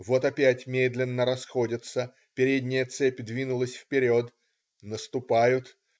Вот опять медленно расходятся, передняя цепь двинулась вперед, наступают.